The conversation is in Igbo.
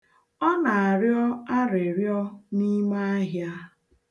Ọ na-arịọ arịọrịọ n'ime ahịa.